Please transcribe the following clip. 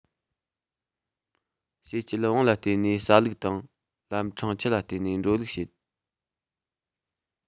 ཕྱེ རྐྱལ བོང ལ བལྟས ནས ཟ ལུགས དང ལམ འཕྲང ཆུ ལ བལྟས ནས འགྲོ ལུགས བྱེད